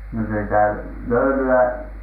no -- löylyä